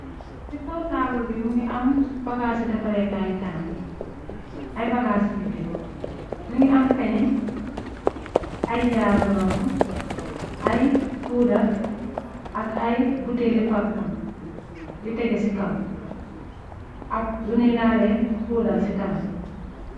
Si kaw taabul bi mi ngi am bagaas ci defareekaay kanam, ay bagaas ci jigeen, mi ngi am peñe, ay jaaro noppu, ay puudar ak ay buteli parfon yu tege ci kaw, ak luni laalee puudar ci kanam.